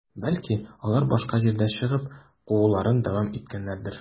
Бәлки, алар башка җирдә чыгып, кууларын дәвам иткәннәрдер?